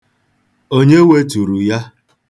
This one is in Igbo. Onye weturu ya?